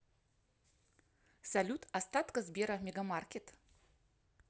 салют остатка сбера мегамаркет